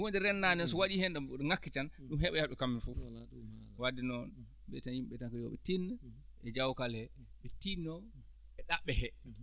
huunde renndaande noon so waɗii heen ɗam ŋakki tan ɗum heɓoyat ɓe kamɓe fof wadde noon mbiyeten yimɓe tan ko yo ɓe tiino e jawkal hee ɓe tiɗnoo e ɗaɓɓe hee